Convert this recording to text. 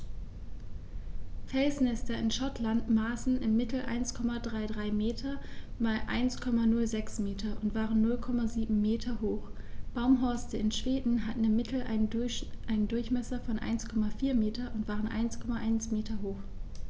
Felsnester in Schottland maßen im Mittel 1,33 m x 1,06 m und waren 0,79 m hoch, Baumhorste in Schweden hatten im Mittel einen Durchmesser von 1,4 m und waren 1,1 m hoch.